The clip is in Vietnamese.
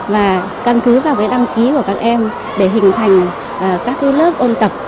và căn cứ vào cái đăng ký vào các em để hình thành các cái lớp ôn tập